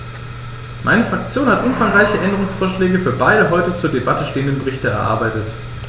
Meine Fraktion hat umfangreiche Änderungsvorschläge für beide heute zur Debatte stehenden Berichte erarbeitet.